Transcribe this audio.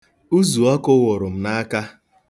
Uzu ọkụ wụrụ m n'aka.